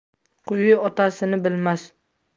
qui otasini bilmas